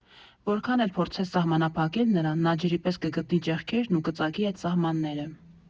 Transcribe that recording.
Որքան էլ փորձես սահմանափակել նրան, նա, ջրի պես, կգտնի ճեղքերն ու կծակի այդ սահմանները։